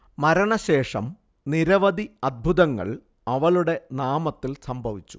മരണശേഷം നിരവധി അത്ഭുതങ്ങൾ അവളുടെ നാമത്തിൽ സംഭവിച്ചു